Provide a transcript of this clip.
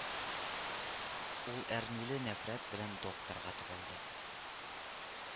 Ул әрнүле нәфрәт белән докторга төбәлде